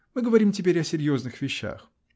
-- Мы говорим теперь о серьезных вещах.